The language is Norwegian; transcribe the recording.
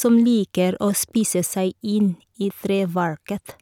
som liker å spise seg inn i treverket?